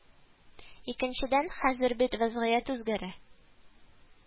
Икенчедән, хәзер бит вазгыять үзгәрә